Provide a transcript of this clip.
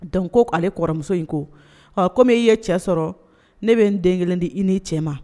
Dɔnku ko' aleale kɔrɔmuso in ko komi i ye cɛ sɔrɔ ne bɛ n den kelen di i ni cɛ ma